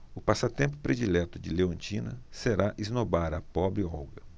o passatempo predileto de leontina será esnobar a pobre olga